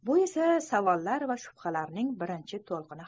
bu esa savollar va shubhalarning birinchi to'lqini